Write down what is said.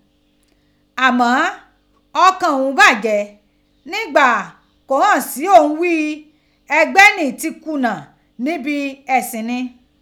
Amo ọ̀kàn òun bàjẹ́ nígbà kó hàn sí òun ghi ẹgbẹ́ ni ti kùnà níbi ẹ̀sìn ni.